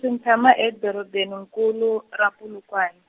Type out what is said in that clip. tshama edorobeni nkulu ra Polokwane.